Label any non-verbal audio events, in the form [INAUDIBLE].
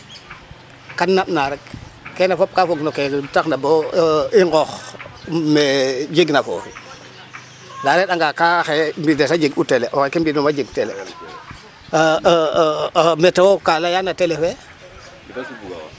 Kaam naɓna rek kene fop ka fogno ke taxna bo i nqoox me jegna foofi ndaa a re'anga ka mbindes a jeg'u télé oxe ke mbindum a a jeg tele [HESITATION] metewo kaa laya no télé fe .